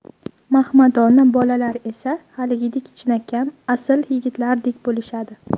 mahmadona bolalar esa haligidek chinakam asl yigitlardek bo'lishadi